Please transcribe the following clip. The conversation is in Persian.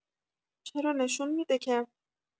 چرا نشون می‌ده که